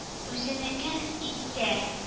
Үзенекен итте